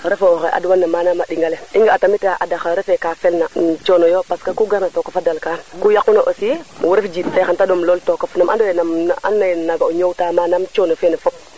refo xe adwan na manaam a ɗingale i nga tamit a andax refo ka felna coono yo parce que ku garna tokofa dalka ku yaquna aussi wo ref jin fe xan ta ɗom lool tokof nam ando ye ne ando naye naga o ñoow ta manam cono fene fop